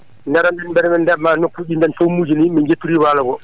gara min mbaɗa heen ndema nokkuuji men pont uji no yimɓe jettori waalo ngo